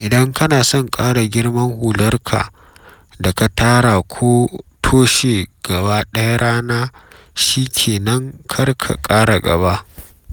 Idan kana son kara girman hularka da ka tara ko toshe gaba ɗaya rana shi ke nan kar ka ƙara gaba.